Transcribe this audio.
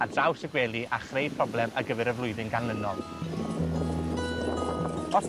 ar draws y gwely, a chreu problem ar gyfer y flwyddyn ganlynol. Os